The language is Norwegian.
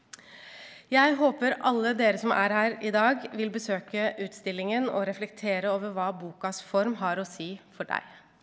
jeg håper alle dere som er her i dag vil besøke utstillingen og reflektere over hva bokas form har å si for deg.